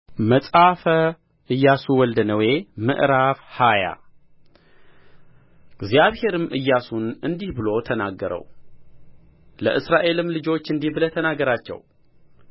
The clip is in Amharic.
መጽሐፈ ኢያሱ ወልደ ነዌ ምዕራፍ ሃያ እግዚአብሔርም ኢያሱን እንዲህ ብሎ ተናገረው ለእስራኤልም ልጆች እንዲህ ብለህ ተናገራቸው